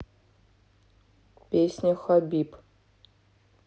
песня хабиб